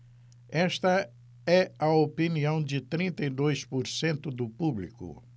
esta é a opinião de trinta e dois por cento do público